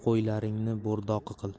qo'ylaringni bo'rdoqi qil